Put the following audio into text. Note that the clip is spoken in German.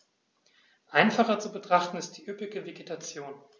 Einfacher zu betrachten ist die üppige Vegetation.